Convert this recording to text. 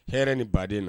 Hɛrɛ ni baden na